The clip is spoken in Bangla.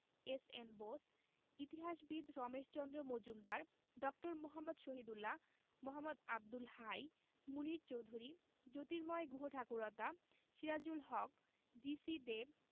এস.এন বোস ইতিহাসবিদ রমেশচন্দ্র মজুমদার ড. মুহাম্মদ শহীদুল্লাহ মোঃ আবদুল হাই মুনির চৌধুরী জ্যোতির্ময় গুহঠাকুরতা সিরাজুল হক জি.সি দেব